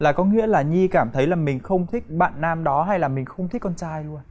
là có nghĩa là nhi cảm thấy là mình không thích bạn nam đó hay là mình không thích con trai luôn